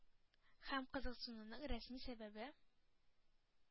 Һәм кызыксынуның рәсми сәбәбе